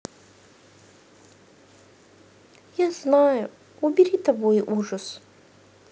я знаю убери тобой ужас